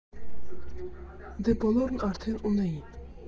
Դե բոլորն արդեն ունեին։